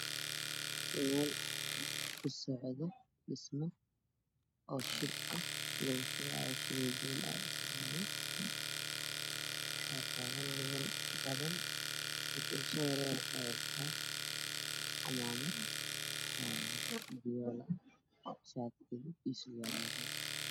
Waa meel kasocdo dhismo oo shub ah, lugu shubaayo shamiito badan waxaa taagan niman badan ninka ugu soo horeeyo waxuu wataa cimaamad oo fiyool ah, shaati iyo surwaal.